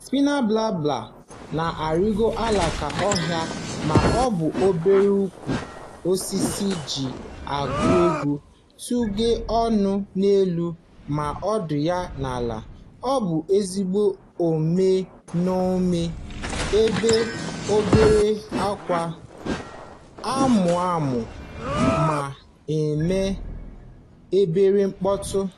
Spiny Babbler na-arịgo alaka ọhịa ma ọ bụ obere ukwu osisi iji gụọ egwu, tụga ọnụ ya elu ma ọdụ ya n'ala. Ọ bụ ezigbo ome nṅomi, ebe obere ákwá, amụ amụ ma na-eme obere mkpọtụ.